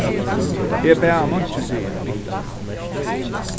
eg bað hann einki siga